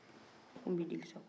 ko n b'i deli sa